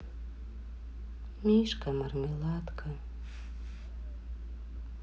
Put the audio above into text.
мишка мармеладка